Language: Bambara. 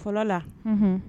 Fɔlɔ la, Unhun.